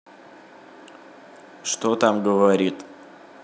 что там говорит